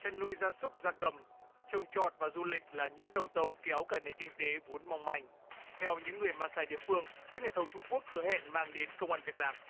chăn nuôi gia súc gia cầm trồng trọt và du lịch là những đầu tàu kéo cả nền kinh tế vốn mong manh theo những người ma xai địa phương các nhà thầu trung quốc hứa hẹn mang đến công ăn việc làm